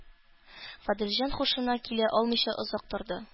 Гаделҗан һушына килә алмыйча озак торды